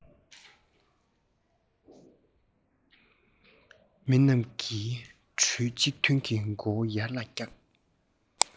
མི རྣམས མ གྲོས གཅིག མཐུན གྱིས མགོ བོ ཡར ལ བཀྱགས